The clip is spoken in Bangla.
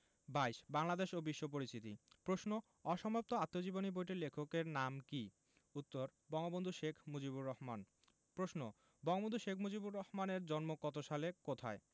২২ বাংলাদেশ ও বিশ্ব পরিচিতি প্রশ্ন অসমাপ্ত আত্মজীবনী বইটির লেখকের নাম কী উত্তর বঙ্গবন্ধু শেখ মুজিবুর রহমান প্রশ্ন বঙ্গবন্ধু শেখ মুজিবুর রহমানের জন্ম কত সালে কোথায়